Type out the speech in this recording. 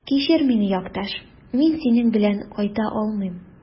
Кичер мине, якташ, мин синең белән кайта алмыйм.